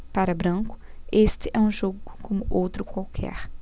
para branco este é um jogo como outro qualquer